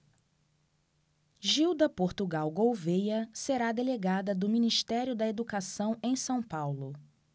gilda portugal gouvêa será delegada do ministério da educação em são paulo